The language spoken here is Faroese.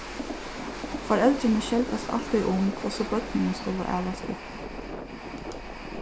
foreldrini skeldast altíð um hvussu børnini skulu alast upp